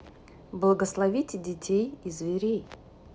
благословите детей и зверей